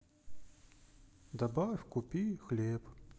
добавь купи хлеб